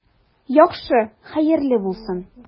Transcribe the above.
Яхшы, хәерле булсын.